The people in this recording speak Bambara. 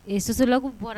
Sosolaku bɔra